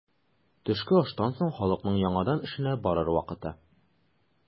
Төшке аштан соң халыкның яңадан эшенә барыр вакыты.